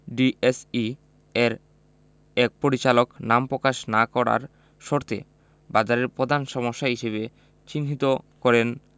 DSE এর এক পরিচালক নাম প্রকাশ না করার শর্তে বাজারের প্রধান সমস্যা হিসেবে চিহ্নিত করেন